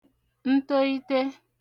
ntoite